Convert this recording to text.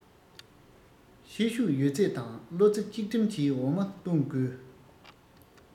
ཤེད ཤུགས ཡོད ཚད དང བློ རྩེ གཅིག སྒྲིམ གྱིས འོ མ བཏུང དགོས